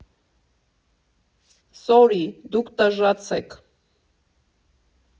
Սորի, դուք տժժացեք։